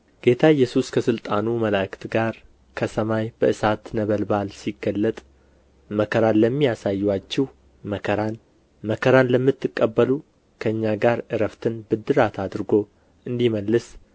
ጌታ ኢየሱስ ከሥልጣኑ መላእክት ጋር ከሰማይ በእሳት ነበልባል ሲገለጥ መከራን ለሚያሳዩአችሁ መከራን መከራንም ለምትቀበሉ ከእኛ ጋር ዕረፍትን ብድራት አድርጎ እንዲመልስ